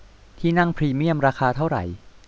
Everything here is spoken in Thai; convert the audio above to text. ที่นั่งพรีเมี่ยมราคาเท่าไหร่